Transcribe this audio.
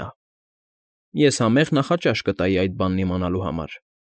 Նա։֊ Ես համեղ նախաճաշ կտայի այդ բանն իմանալու համար։